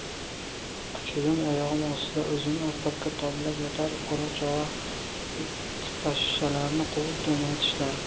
kuchugim oyog'im ostida o'zini oftobga toblab yotar ora chora itpashshalarni quvib dumini tishlar